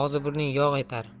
og'zi burning yog' etar